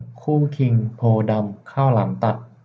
คู่คิงโพธิ์ดำข้าวหลามตัด